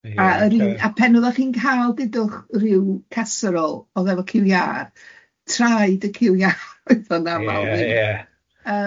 A yr un a pen oeddech chi'n cael dydwch ryw casserole oedd efo ciw iâr, traed y ciw iâr oedd o'n amlwg. Ie ie.